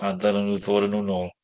A ddylen nhw ddod â nhw nôl.